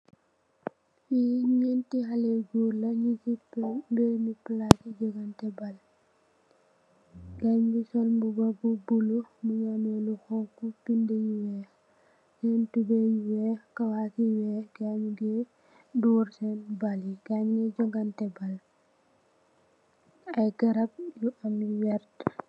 Nyi ñenti haley góor la, nung ci benn palaas su jogantè baal. Gaye nungi sol mbuba bu bulo, mungi ameh lu honku, bindi yu weeh, senn tubeye yu weeh kawaas yu weeh gaye nungi dorr senn baal yi, gaye nungi jogantè baal. Ay garab yu am lu vert.